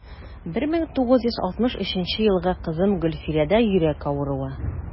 1963 елгы кызым гөлфирәдә йөрәк авыруы.